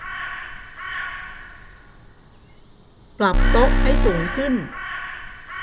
ปรับโต๊ะให้สูงขึ้ง